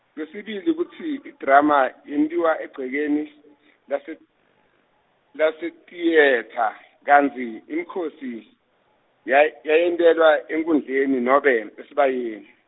kwesibili kutsi idrama, yentiwa egcekeni, lase- lasetiyetha, kantsi, imikhosi, yay-, yayentelwa enkhundleni nobe, esibayeni.